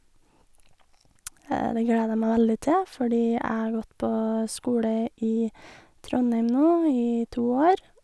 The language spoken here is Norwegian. Og det gleder jeg meg veldig til fordi jeg har gått på skole i Trondheim nå i to år.